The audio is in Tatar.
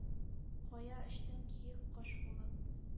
Кая очтың киек кош булып?